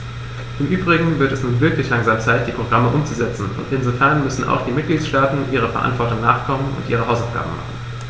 Im übrigen wird es nun wirklich langsam Zeit, die Programme umzusetzen, und insofern müssen auch die Mitgliedstaaten ihrer Verantwortung nachkommen und ihre Hausaufgaben machen.